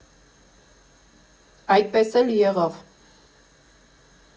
Այդպես էլ եղավ։